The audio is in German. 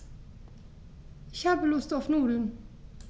Ich habe Lust auf Nudeln.